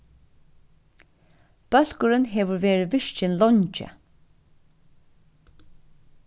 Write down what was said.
bólkurin hevur verið virkin leingi